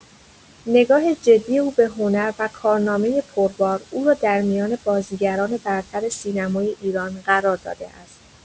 نگاه جدی او به هنر و کارنامه پربار، او را در میان بازیگران برتر سینمای ایران قرار داده است.